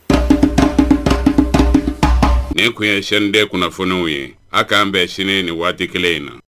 Nin kun ye chaîne 2 kunnafoniw ye. A kan bɛn sini ni waati kelen in na